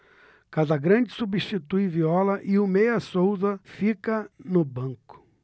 casagrande substitui viola e o meia souza fica no banco